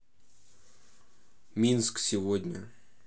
минск сегодня